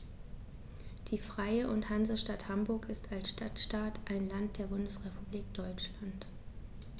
Die Freie und Hansestadt Hamburg ist als Stadtstaat ein Land der Bundesrepublik Deutschland.